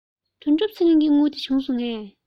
དོན གྲུབ ཚེ རིང གི དངུལ དེ བྱུང སོང ངས